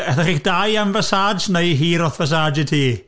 Aethoch chi'ch dau am fasaj, neu hi roth fasaj i ti?